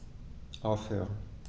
Aufhören.